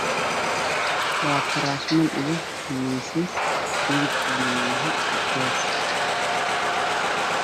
Waa kuraas iyo miisaas midabkoodi yahay cadays